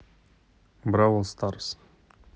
бравел старс